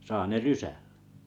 saa ne rysällä